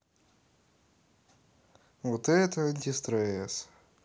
вот это антистресс